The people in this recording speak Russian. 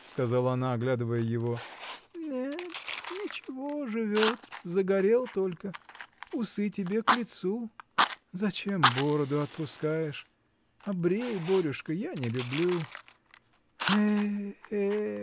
— сказала она, оглядывая его, — нет, ничего, живет! загорел только! Усы тебе к лицу. Зачем бороду отпускаешь! Обрей, Борюшка, я не люблю. Э-э!